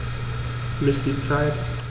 Miss die Zeit.